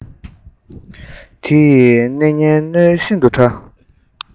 དེ ཡི སྣེ གཉིས རྣོ ལ ཤིན ཏུ ཕྲ